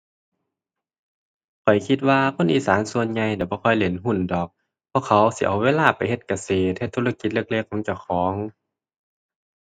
ข้อยคิดว่าคนอีสานส่วนใหญ่น่ะ บ่ค่อยเล่นหุ้นดอก เพราะเขาสิเอาเวลาไปเฮ็ดเกษตร เฮ็ดธุรกิจเล็กเล็กของเจ้าของ